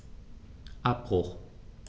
Abbruch.